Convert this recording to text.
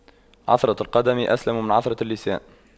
عثرة القدم أسلم من عثرة اللسان